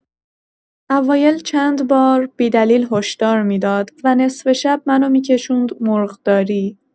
اوایل چند بار بی‌دلیل هشدار می‌داد و نصف شب منو می‌کشوند مرغداری.